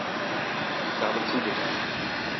Ich habe zugenommen.